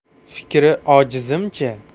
fikri ojizimcha